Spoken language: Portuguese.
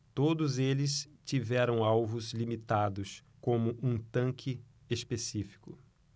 todos eles tiveram alvos limitados como um tanque específico